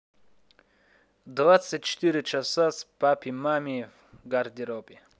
двадцать четыре часа с папи мами в гардеробе